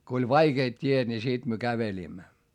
kun oli vaikeat tiet niin sitten me kävelimme